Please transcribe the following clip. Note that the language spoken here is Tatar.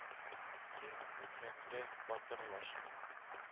Киң күкрәкле батыр лачыны.